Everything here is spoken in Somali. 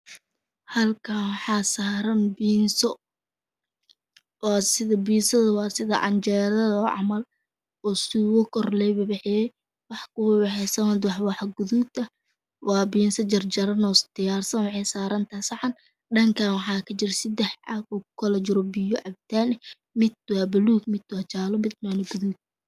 Halkaan waxaa zarn piiizo waa zida pizaha wazida cajeerada camal oo zuugo kor laga waxeyey waxaa ku waxeezan wax guduud ah waa piizo jajarjaran oo diyarsan waxii sarantahy saxan dhankaan waxaa kajiro sedax caag oo kukala jiro piyo capitaan mid waa palug mid waa jaalo midan waa gaduud